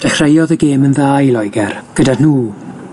Dechreuodd y gêm yn dda i Loeger, gyda nhw